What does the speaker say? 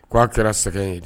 K' a kɛra sɛgɛ ye